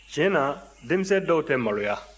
tiɲɛ na denmisɛn dɔw tɛ maloya